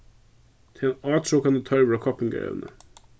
tað er ein átrokandi tørvur á koppingarevni